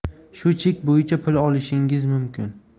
shu chek bo'yicha pul olishingiz mumkin